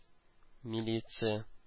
Милиция